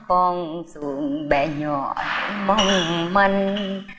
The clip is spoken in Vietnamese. còn xuống bé nhỏ mong manh